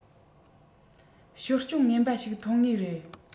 ཞོར སྐྱོན ངན པ ཞིག ཐོན ངེས རེད